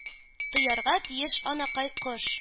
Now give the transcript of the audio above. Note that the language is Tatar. Тоярга тиеш анакай кош...